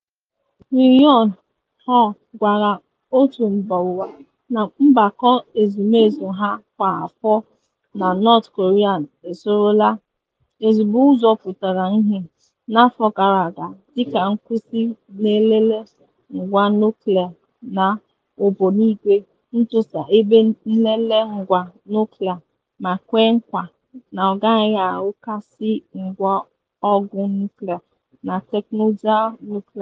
Ri Yong Ho gwara otu mba ụwa na Mgbakọ Ezumezu ha kwa afọ na North Korea esorola “ezigbo ụzọ pụtara ihie” n’afọ gara aga, dị ka nkwụsị nlele ngwa nuklịa na ogbunigwe, ntọsa ebe nlele ngwa nuklịa ma kwee nkwa na ọ gaghị arụkasị ngwa ọgụ nuklịa na teknụzụ nuklịa.